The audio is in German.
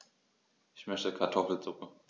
Ich möchte Kartoffelsuppe.